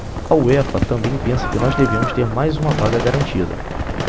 a uefa também pensa que nós devemos ter mais uma vaga garantida